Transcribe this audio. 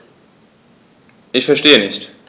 Ich verstehe nicht.